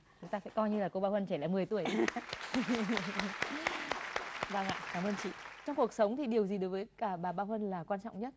chúng ta sẽ coi như là cô ba huân trẻ lại mười tuổi vâng ạ cám ơn chị trong cuộc sống thì điều gì đối với cả bà ba huân là quan trọng nhất